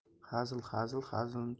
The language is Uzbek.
hazil hazil hazilni